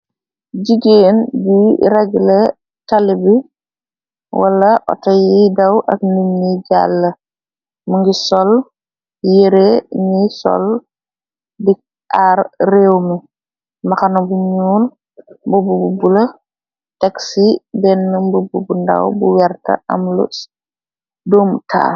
Jigéen buy regle tale bi wala otto yi daw ak nit ni jàlla, mu ngi sol yirèh yi ñii sol di aar réw mi, mbaxana bu ñuul, mbubu bu bula, teksi benna mbubu bu ndàw bu werta am lu doom tahal .